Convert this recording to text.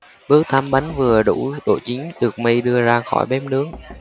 bước tám bánh vừa đủ độ chín được mi đưa ra khỏi bếp nướng